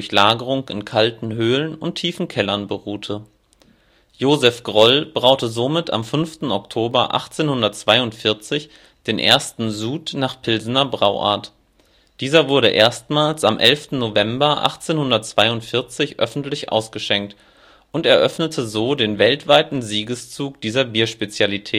Lagerung in kalten Höhlen und tiefen Kellern beruhte. Josef Groll braute somit am 5. Oktober 1842 den ersten Sud nach Pilsner Brauart. Dieser wurde erstmals am 11. November 1842 öffentlich ausgeschenkt und eröffnete so den weltweiten Siegeszug dieser Bierspezialität